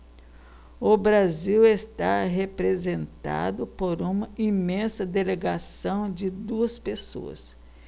o brasil está representado por uma imensa delegação de duas pessoas